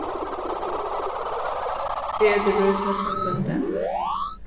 eg eti rís næstan hvønn dag